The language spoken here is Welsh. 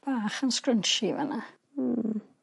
bach yn sgrynshi yn fan 'na. Hmm.